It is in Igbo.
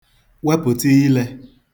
wepụ̀ta ilē